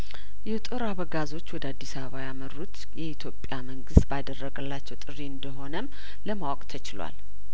የጦር አበጋዞች ወደ አዲስአባ ያመሩት የኢትዮጵያ መንግስት ባደረገላቸው ጥሪ እንደሆነም ለማወቅ ተችሏል